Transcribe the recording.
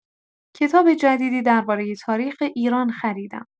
کتاب جدیدی دربارۀ تاریخ ایران خریدم.